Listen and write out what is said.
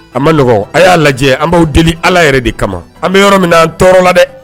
A manɔgɔn a y'a lajɛ an b'aw deli ala yɛrɛ de kama an bɛ yɔrɔ minan tɔɔrɔ la dɛ